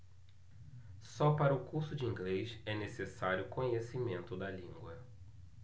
só para o curso de inglês é necessário conhecimento da língua